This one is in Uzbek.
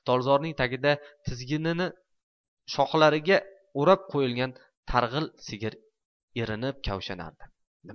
tolzorning tagida tizgini shoxlariga o'rab qo'yilgan targ'il sigir erinib kavshanardi